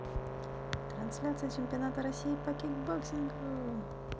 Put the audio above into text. трансляция чемпионата россии по кикбоксингу